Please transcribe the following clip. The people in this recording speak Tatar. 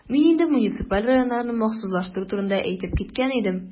Мин инде муниципаль районнарны махсуслаштыру турында әйтеп киткән идем.